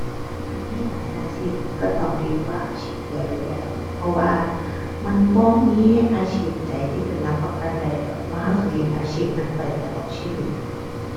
การมีหลายอาชีพมันก็ต้องดีกว่าอาชีพเดียวอยู่แล้ว เพราะว่ามันบ่มีอาชีพใดที่เป็นหลักประกันได้ดอก ว่าก็สิเฮ็ดอาชีพนั้นไปตลอดชีวิต